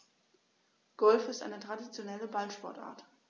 Golf ist eine traditionelle Ballsportart.